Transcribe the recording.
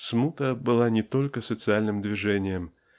"смута" была не только социальным движением